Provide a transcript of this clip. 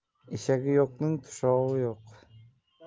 eshagi yo'qning tushovi yo'q